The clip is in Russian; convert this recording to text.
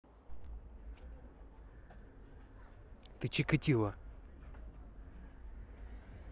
ты чикатило